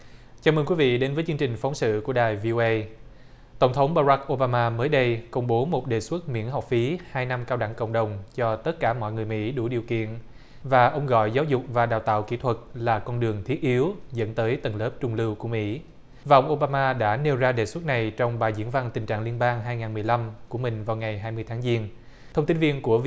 chào mừng quý vị đến với chương trình phóng sự của đài vi âu ây tổng thống ba rắc ô ba ma mới đây công bố một đề xuất miễn học phí hai năm cao đẳng cộng đồng cho tất cả mọi người mỹ đủ điều kiện và ông gọi giáo dục và đào tạo kỹ thuật là con đường thiết yếu dẫn tới tầng lớp trung lưu của mỹ và ông ô ba ma đã nêu ra đề xuất này trong bài diễn văn tình trạng liên bang hai ngàn mười lăm của mình vào ngày hai mươi tháng giêng thông tin viên của